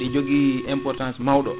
ene jogui importance mawɗo